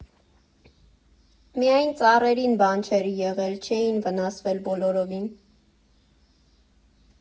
Միայն ծառերին բան չէր եղել՝ չէին վնասվել բոլորովին։